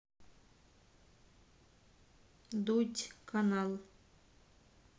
дудь канал